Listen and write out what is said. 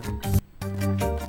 Sanunɛ yo